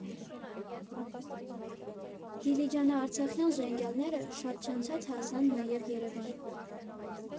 Դիլիջանա֊արցախյան ժենգյալները շատ չանցած հասան նաև Երևան.